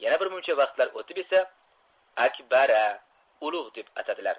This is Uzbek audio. yana birmuncha vaqtlar o'tib esa akbara ulug' deb atadilar